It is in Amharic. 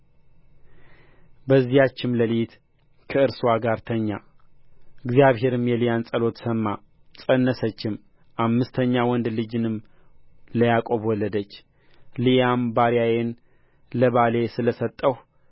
በዚያችም ሌሊት ከእርስዋ ጋር ተኛ እግዚአብሔርም የልያን ጸሎት ሰማ ፀነሰችም አምስተኛ ወንድ ልጅንም ለያዕቆብ ወለደች ልያም ባሪያዬን ለባሌ ስለ ሰጠሁ